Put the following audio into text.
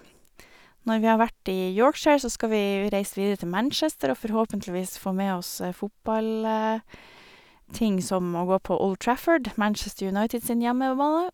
Når vi har vært i Yorkshire, så skal vi vi reise videre til Manchester og forhåpentligvis få med oss fotballting som å gå på Old Trafford, Manchester United sin hjemmebane.